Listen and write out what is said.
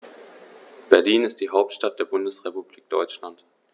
Berlin ist die Hauptstadt der Bundesrepublik Deutschland.